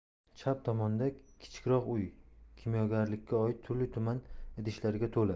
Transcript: chap tomonda kichikroq uy kimyogarlikka oid turli tuman idishlarga to'la